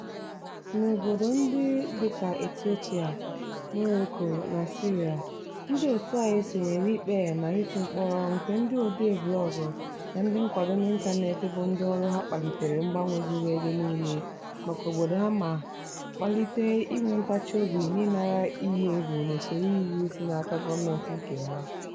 N'obodo ndị dịka Ethiopia, Morocco na Syria ndịòtù anyị sonyere ikpe na ịtụ mkpọrọ nke ndị odee blọọgụ na ndị nkwado n'ịntaneetị bụ ndị ọrụ ha kpalitere mgbanwe zuru ebe niile maka obodo ha ma kpalite inwe ntachị obi n'ịnara iyi egwu n'usoro iwu si n'aka gọọmentị nke ha.